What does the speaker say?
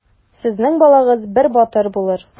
Сезнең балагыз бер батыр булыр.